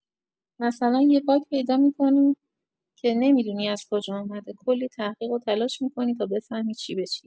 مثلا یه باگ پیدا می‌کنی که نمی‌دونی از کجا اومده، کلی تحقیق و تلاش می‌کنی تا بفهمی چی به چیه.